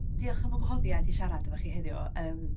Diolch am y gwahoddiad i siarad efo chi heddiw yym.